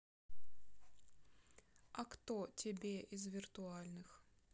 а кто тебе из виртуальных